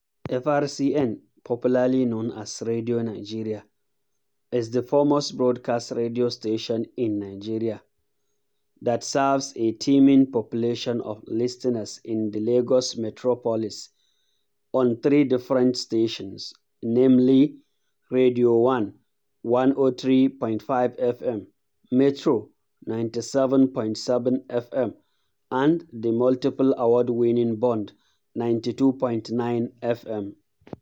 FRCN — popularly known as Radio Nigeria — is the foremost broadcast radio station in Nigeria, that serves a teeming population of listeners in the Lagos metropolis on three different stations, namely: Radio One 103.5 FM, Metro 97.7 FM and the multiple award-winning Bond 92.9 FM.